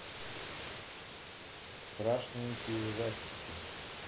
страшненькие ужастики